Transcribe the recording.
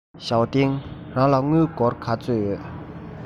ཞའོ ཏིང རང ལ དངུལ སྒོར ག ཚོད ཡོད